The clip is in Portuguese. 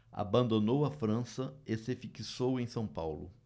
abandonou a frança e se fixou em são paulo